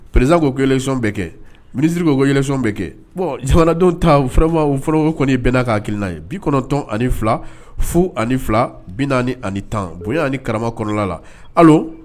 Pererezan k koc bɛ kɛ minisiri' ko bɛ kɛ bon zdenw ta kɔni bɛnna k' kelenina ye bi kɔnɔntɔn ani fila fu ani fila bi ani tan bonya ani kara kɔnɔnla la